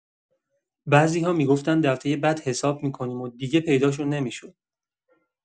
بعضی‌ها می‌گفتن دفعه بعد حساب می‌کنیم و دیگه پیداشون نمی‌شد.